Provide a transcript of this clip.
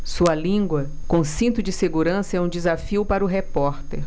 sua língua com cinto de segurança é um desafio para o repórter